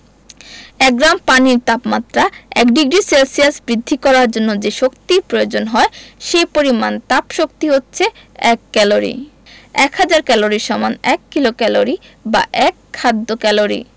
এক গ্রাম পানির তাপমাত্রা ১ ডিগ্রি সেলসিয়াস বৃদ্ধি করার জন্য যে শক্তির প্রয়োজন হয় সে পরিমাণ তাপশক্তি হচ্ছে এক ক্যালরি এক হাজার ক্যালরি সমান এক কিলোক্যালরি বা এক খাদ্য ক্যালরি